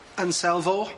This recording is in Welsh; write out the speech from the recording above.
Yn cell fo.